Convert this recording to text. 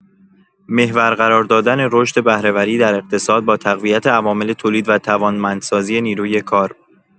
محور قرار دادن رشد بهره‌وری در اقتصاد، با تقویت عوامل تولید و توانمندسازی نیروی کار